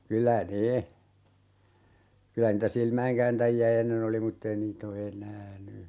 kyllä ne kyllä niitä silmäinkääntäjiä ennen oli mutta ei niitä ole enää nyt